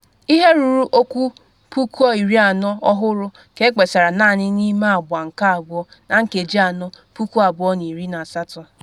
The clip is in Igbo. Ihe ruru okwu 40,000 ọhụrụ ka ekpesara naanị n’ime agba nke abụọ na nkeji anọ 2018.